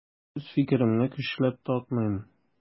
Үз фикеремне көчләп такмыйм.